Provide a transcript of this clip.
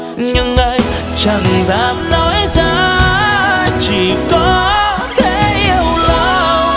nhưng anh chẳng dám nói ra chỉ có thể yếu lòng